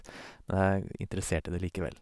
Men jeg er interessert i det likevel.